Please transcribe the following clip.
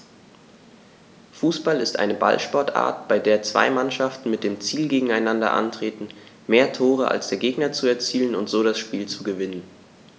Fußball ist eine Ballsportart, bei der zwei Mannschaften mit dem Ziel gegeneinander antreten, mehr Tore als der Gegner zu erzielen und so das Spiel zu gewinnen.